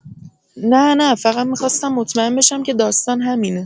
نه نه‌فقط می‌خواستم مطمئن بشم که داستان همینه.